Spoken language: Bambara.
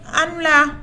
Halila